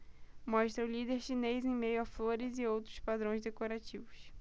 mostra o líder chinês em meio a flores e outros padrões decorativos